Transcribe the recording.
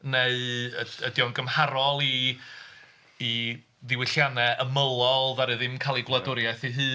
Neu y- ydi o'n gymharol i i ddiwylliannau ymylol ddaru ddim cael eu gwladwriaeth eu hun?